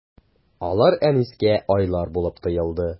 Алар Әнискә айлар булып тоелды.